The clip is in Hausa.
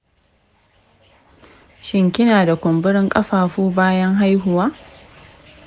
shin kina da kumburin ƙafafu bayan haihuwa?